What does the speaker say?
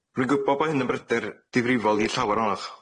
Rwy'n gwbo bo' hyn yn bryder difrifol i llawer ohonoch.